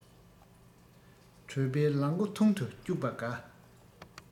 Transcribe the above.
གྲོད པའི ལག མགོ ཐུང དུ བཅུག པ དགའ